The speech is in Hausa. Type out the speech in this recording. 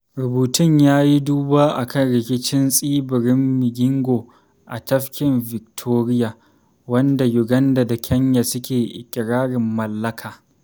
Rubutun ya yi duba a kan rikicin tsibirin Migingo a tafkin Vvictoria, wanda Uganda da Kenya suke iƙirarin mallaka.